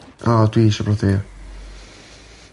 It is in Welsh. A dwi isio prodi.